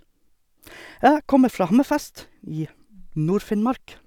Jeg kommer fra Hammerfest i Nord-Finnmark.